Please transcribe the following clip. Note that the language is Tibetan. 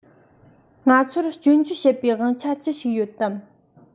ང ཚོར སྐྱོན བརྗོད བྱེད པའི དབང ཆ ཅི ཞིག ཡོད དམ